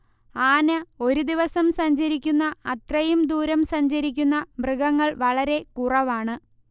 ആന ഒരു ദിവസം സഞ്ചരിക്കുന്ന അത്രയും ദൂരം സഞ്ചരിക്കുന്ന മൃഗങ്ങൾ വളരെ കുറവാണ്